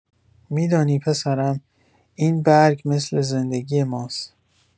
می‌دانی پسرم، این برگ مثل زندگی ماست.